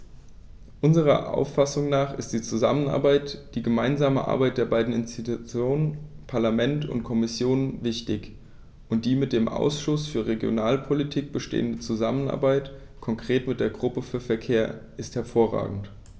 Unserer Auffassung nach ist die Zusammenarbeit, die gemeinsame Arbeit der beiden Institutionen - Parlament und Kommission - wichtig, und die mit dem Ausschuss für Regionalpolitik bestehende Zusammenarbeit, konkret mit der Gruppe für Verkehr, ist hervorragend.